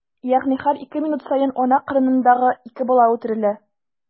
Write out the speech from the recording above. Ягъни һәр ике минут саен ана карынындагы ике бала үтерелә.